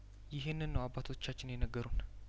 ይህንን ነው አባቶቻችን የነገሩን